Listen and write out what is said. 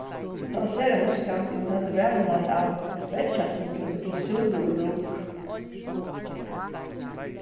tað var sera hóskandi og vit høvdu varhugan av veggjatutli millum súlur og lúkur